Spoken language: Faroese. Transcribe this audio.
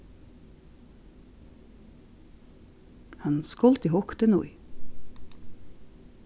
hann skuldi hugt inní